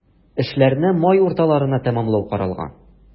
Эшләрне май урталарына тәмамлау каралган.